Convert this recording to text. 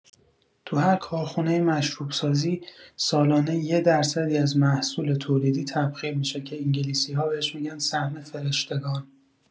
تو هر کارخونۀ مشروب‌سازی، سالانه یه درصدی از محصول تولیدی تبخیر می‌شه که انگلیسی‌ها بهش می‌گن سهم فرشتگان!